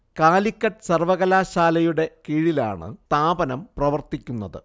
കാലിക്കറ്റ് സർവ്വകലാശാലയുടെ കീഴിലാണ് സ്ഥാപനം പ്രവർത്തിക്കുന്നത്